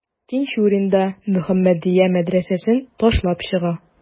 Тинчурин да «Мөхәммәдия» мәдрәсәсен ташлап чыга.